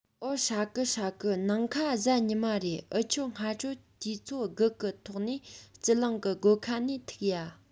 འོ ཧྲ གི ཧྲ གི ནིང ཁ གཟའ ཉི མ རེད འུ ཆོ སྔ དྲོ དུས ཚོད དགུ གི ཐོག ནས སྤྱི གླིང གི སྒོ ཁ ནས ཐུག ཡ